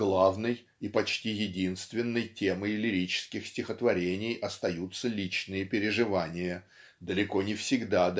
Главной и почти единственной темой лирических стихотворений остаются личные переживания далеко не всегда